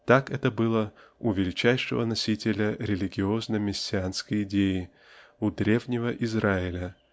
Так это было у величайшего носителя религиозно-мессианской идеи -- у древнего Израиля